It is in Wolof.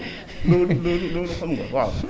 loolu loolu loolu xam nga waaw